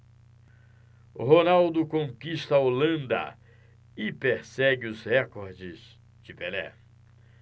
ronaldo conquista a holanda e persegue os recordes de pelé